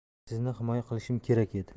sizni himoya qilishim kerak edi